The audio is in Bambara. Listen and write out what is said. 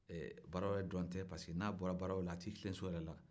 ee baarayɔrɔ dɔrɔn tɛ parce que n'a bɔra baarayɔrɔ la a t'i tilen so yɛrɛ la